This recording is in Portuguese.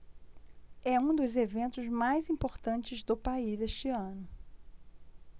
é um dos eventos mais importantes do país este ano